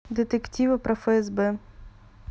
детективы про фсб